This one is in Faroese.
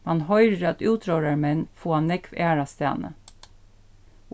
mann hoyrir at útróðrarmenn fáa nógv aðrastaðni